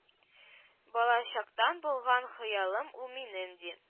Балачактан булган хыялым ул минем ди